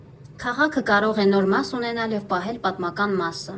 Քաղաքը կարող է «նոր մաս» ունենալ և պահել «պատմական մասը»։